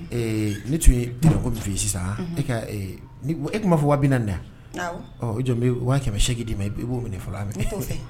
Ne tun ye diko min fɛ yen sisan e e tun'a fɔ wa bɛ na dɛ jɔn bɛ waati kɛmɛmɛ se d'i ma i b'o minɛ fɔlɔ an